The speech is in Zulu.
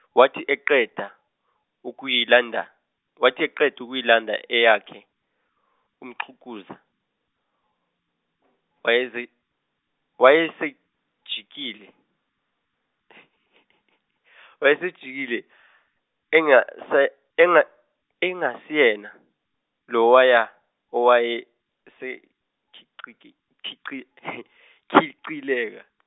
wathi eqeda, ukuyilanda, wathi eqeda ukuyilanda eyakhe, uMxhukuza wayeze- wayesejikile, wayese jikile enga- se- enga- engasiyena lowaya, owayese- khichi- khici khicileka.